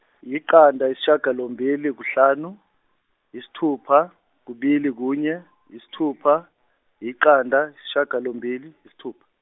yiqanda yisishagalombili kuhlanu, yisithupha kubili kunye yisithupha iqanda yisishagalombili yisithupha.